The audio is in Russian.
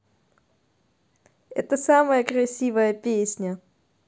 это самая красивая песня